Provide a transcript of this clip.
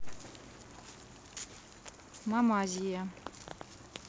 мамазия